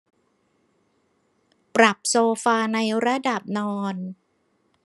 ปรับโซฟาในระดับนอน